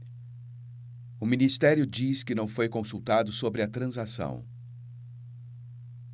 o ministério diz que não foi consultado sobre a transação